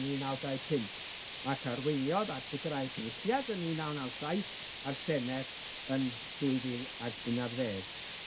yn un naw dau pump, ac arweiniodd at sicrhau Cynulliad yn un naw naw saith a'r Senedd yn dwy fil ag un ar ddeg.